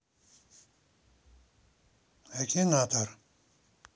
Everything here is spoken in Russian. акинатор